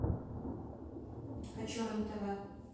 хочу рен тв